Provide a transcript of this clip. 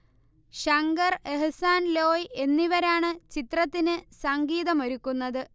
ശങ്കർ എഹ്സാൻ ലോയ് എന്നിവരാണ് ചിത്രത്തിന് സംഗീതമൊരുക്കുന്നത്